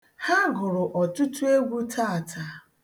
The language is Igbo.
Ha gụrụ ọtụtụ egwu taata.